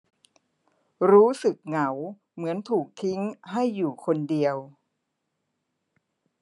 รู้สึกเหงาเหมือนถูกทิ้งให้อยู่คนเดียว